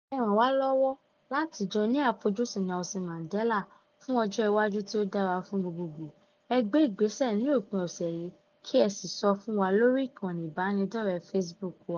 Ẹ ràn wá lọ́wọ́ láti jọ ní àfojúsùn Nelson Mandela fún ọjọ́ iwájú tí ó dára fún gbogbogbò, ẹ gbé ìgbésẹ̀ ní òpin ọ̀sẹ̀ yìí, kí ẹ sì sọ fún wa lórí ìkànnì ìbánidọ́rẹ̀ẹ́ Facebook wá.